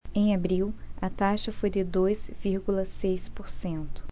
em abril a taxa foi de dois vírgula seis por cento